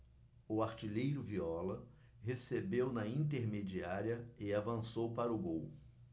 o artilheiro viola recebeu na intermediária e avançou para o gol